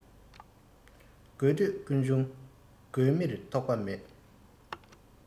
དགོས འདོད ཀུན འབྱུང དགོས མིར ཐོགས པ མེད